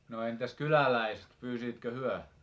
no entäs kyläläiset pyysivätkö he